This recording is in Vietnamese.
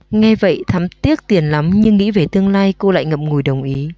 nghe vậy thắm tiếc tiền lắm nhưng nghĩ về tương lai cô lại ngậm ngùi đồng ý